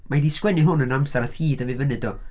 Mae hi 'di sgwennu hwn yn amser wnaeth hi dyfu fyny do?